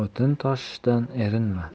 o'tin tashishdan erinma